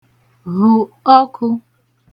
vhu ọkụ̄